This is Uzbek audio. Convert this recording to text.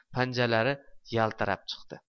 panjalari yaltirab chiqdi